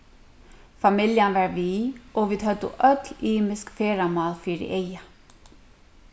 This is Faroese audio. familjan var við og vit høvdu øll ymisk ferðamál fyri eyga